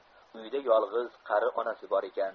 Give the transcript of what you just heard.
uyda yolg'iz qari onasi bor ekan